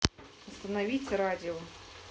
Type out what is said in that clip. остановить радио